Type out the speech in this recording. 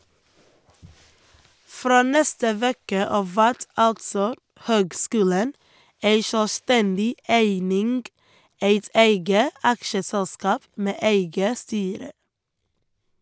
Frå neste veke av vert altså høgskulen ei sjølvstendig eining, eit eige aksjeselskap med eige styre.